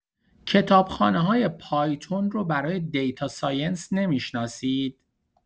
کتابخانه‌های پایتون رو برای دیتا ساینس نمی‌شناسید؟